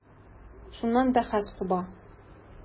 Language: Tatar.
Шуннан бәхәс куба.